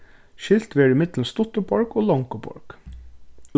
skilt verður í millum stuttu borg og longu borg